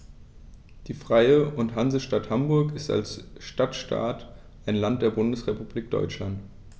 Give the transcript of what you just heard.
Die Freie und Hansestadt Hamburg ist als Stadtstaat ein Land der Bundesrepublik Deutschland.